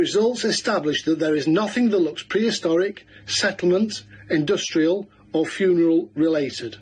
The results establish that there is nothing that looks prehistoric, settlement, industrial, or funeral-related.